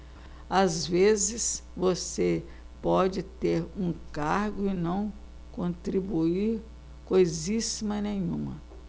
às vezes você pode ter um cargo e não contribuir coisíssima nenhuma